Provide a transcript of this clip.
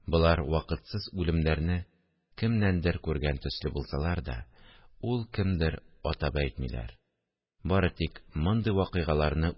Болар вакытсыз үлемнәрне кемнәндер күргән төсле булсалар да, ул кемдер – атап әйтмиләр, бары тик мондый вакыйгаларны